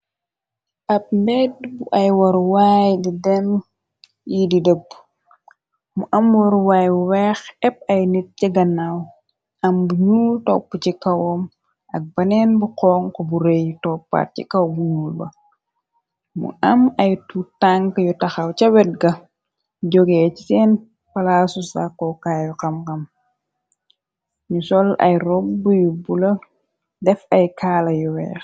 Ab mbeddu bu ay waruwaay di dem yi di depu mu am waruwaay u weex épp ay nit jegannaaw am bu nu topp ci kawoom ak baneen bu xonk bu rëy toppaat ci kaw bu muul ba mu am ay tu tank yu taxaw ca bedga jogee ci seen palaasusakokaayu xamxam ñu sol ay rob b yu bu la def ay kaala yu weex.